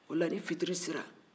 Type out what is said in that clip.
ola ni fitiri sera